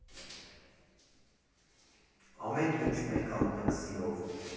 Ամեն ինչ մենք անում ենք սիրով։